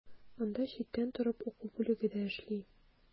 Анда читтән торып уку бүлеге дә эшли.